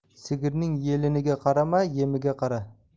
sigirning yeliniga qarama yemiga qara